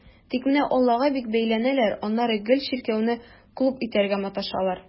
Тик менә аллага бик бәйләнәләр, аннары гел чиркәүне клуб итәргә маташалар.